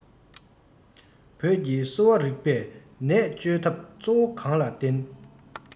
བོད ཀྱི གསོ བ རིགས པས ནད བཅོས ཐབས གཙོ བོ གང ལ བརྟེན